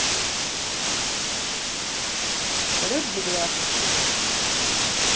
салют babybus